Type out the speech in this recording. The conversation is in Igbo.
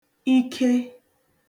ike